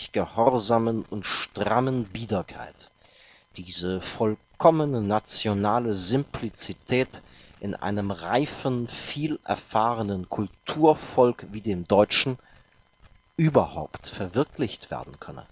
gehorsamen und strammen Biederkeit, diese vollkommene nationale Simplizität in einem reifen, vielerfahrenen Kulturvolk wie dem deutschen “überhaupt verwirklicht werden könne